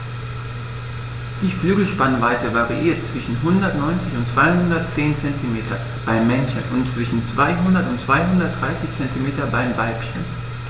Die Flügelspannweite variiert zwischen 190 und 210 cm beim Männchen und zwischen 200 und 230 cm beim Weibchen.